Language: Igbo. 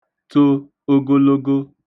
to ogologo